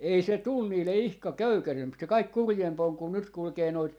ei se tullut niille ihan köykäisempi se kaikkein kurjempi on kun nyt kulkee noita